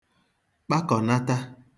kpakọ̀nata